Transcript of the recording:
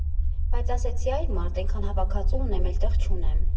Բայց ասեցի՝ այ մարդ, էնքան հավաքածու ունեմ, էլ տեղ չունեմ։